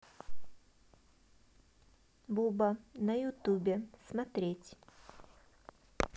буба на ютубе смотреть